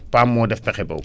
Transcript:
PAM moo def pexe boobu